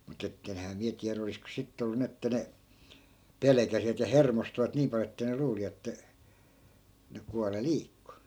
mutta että enhän minä tiedä olisiko sitten ollut niin että ne pelkäsivät ja hermostuivat niin paljon että ne luuli että ne kuolleet liikkui